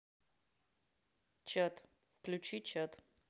чат включи чат